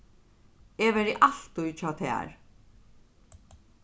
eg verði altíð hjá tær